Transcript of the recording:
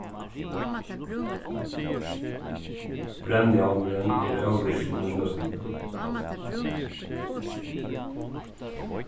brenniovnurin er óvirkin í løtuni